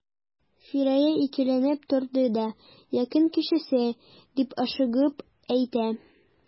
Фирая икеләнеп торды да: — Якын кешесе,— дип ашыгып әйтте.